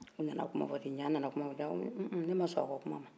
u nana kuma fɔ ten ɲaa nana kuma fɔ ten a ko un un ne ma sɔn aw ka kuma ma